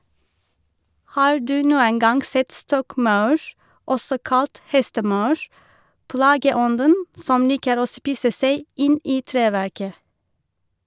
Har du noen gang sett stokkmaur, også kalt hestemaur, plageånden som liker å spise seg inn i treverket?